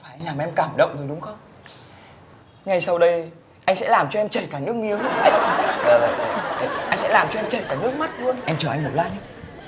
anh làm em cảm động rồi đúng không ngay sau đây anh sẽ làm cho em chảy cả nước miếng anh sẽ làm cho em chảy cả nước mắt luôn em chờ anh một lát nhớ